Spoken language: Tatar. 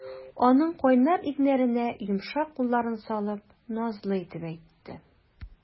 Аның кайнар иңнәренә йомшак кулларын салып, назлы итеп әйтте.